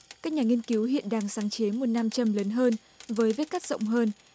các nhà nghiên cứu hiện đang sáng chế một nam châm lớn hơn với vết cắt rộng hơn